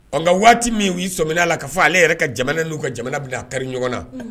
Nka nka waati min u'i sɔmina la k kaa fɔ ale yɛrɛ ka jamana n'u ka jamana bin a kari ɲɔgɔn na